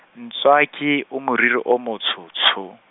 Ntswaki, o moriri o motsho tsho.